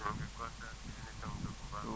ñu ngi kontaan si émission bi bu baax